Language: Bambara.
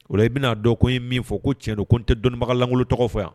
O la i bɛna'a dɔn ko ye min fɔ ko tiɲɛn don , ko n tɛ dɔnniibagalangolo tɔgɔ fɔ yan!